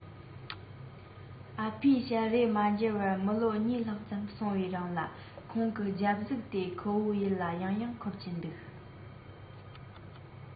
ཨ ཕའི ཞལ རས མ འཇལ བར མི ལོ གཉིས ལྷག ཙམ སོང བའི རིང ལ ཁོང གི རྒྱབ གཟུགས དེ ཁོ བོའི ཡིད ལ ཡང ཡང འཁོར གྱིན འདུག